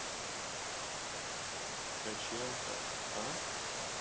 ткаченко а